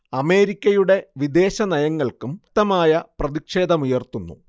അമേരിക്കയുടെ വിദേശനയങ്ങൾക്കും ശക്തമായ പ്രതിഷേധമുയർത്തുന്നു